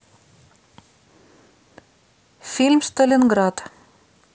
фильм сталинград